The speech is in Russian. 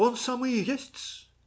- Он самый и есть-с.